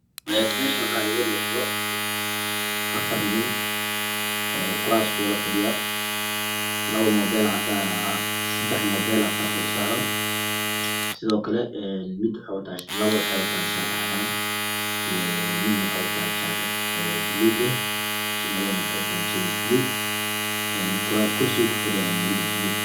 Halkan waxaa fadhiyo afar wiil weey kufadhdhaan kuras man kalar kode waa baluug dharka eey watan waa cadan iyo baluug iyo dahabi